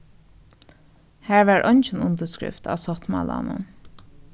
har var eingin undirskrift á sáttmálanum